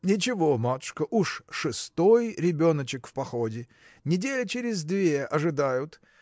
– Ничего, матушка; уж шестой ребеночек в походе. Недели через две ожидают.